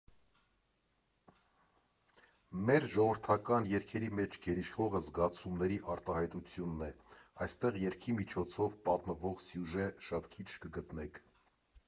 Մեր ժողովրդական երգերի մեջ գերիշխողը զգացումների արտահայտությունն է՝ այստեղ երգի միջոցով պատմվող սյուժե շատ քիչ կգտնեք։